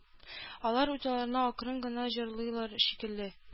Алар үз алларына акрын гына җырлыйлар шикелле